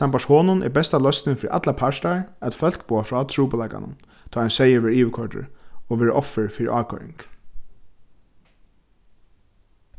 sambært honum er besta loysnin fyri allar partar at fólk boða frá trupulleikanum tá ein seyður verður yvirkoyrdur og verður offur fyri ákoyring